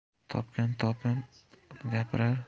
topgan topib gapirar